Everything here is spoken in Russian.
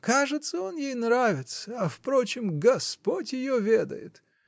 -- Кажется, он ей нравится, а впрочем, господь ее ведает!